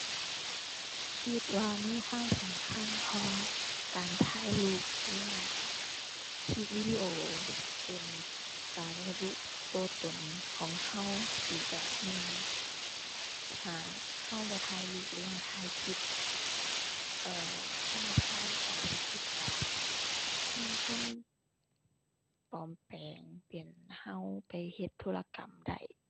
คิดว่ามีความสำคัญ เพราะว่าการถ่ายรูป หรือว่าคลิปวิดีโอเป็นการระบุตัวตนของตัวอีกแบบหนึ่ง ถ้าตัวบ่ถ่ายรูป หรือว่าถ่ายคลิป เอ่อ ธนาคารอาจสิคิดว่ามีคนปลอมแปลงเป็นตัวไปเฮ็ดธุรกรรมได้